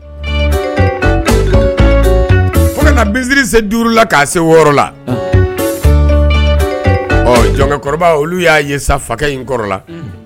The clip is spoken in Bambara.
fo ka na binsiri se duuru la k'a se wɔɔrɔ la, ɔ jɔnkɛkɔrɔba olu y'a ye sa fakɛ in kɔrɔla